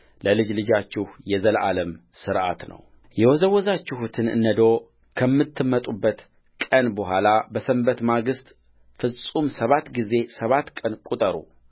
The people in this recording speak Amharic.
ለልጅ ልጃችሁ የዘላለም ሥርዓት ነውየወዘወዛችሁትን ነዶ ከምታመጡበት ቀን በኋላ ከሰንበት ማግስት ፍጹም ሰባት ጊዜ ሰባት ቀን ቍጠሩ